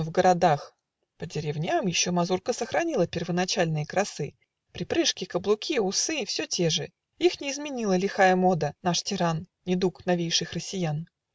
Но в городах, по деревням Еще мазурка сохранила Первоначальные красы: Припрыжки, каблуки, усы Все те же: их не изменила Лихая мода, наш тиран, Недуг новейших россиян. .